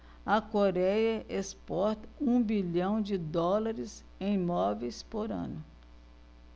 a coréia exporta um bilhão de dólares em móveis por ano